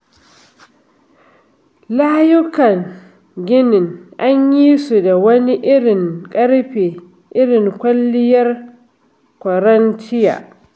Layukan ginin an yi su da wani irin ƙarfe irin kwalliyar Corinthian.